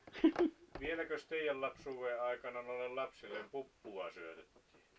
vieläkös teidän lapsuuden aikana noille lapsille puppua syötettiin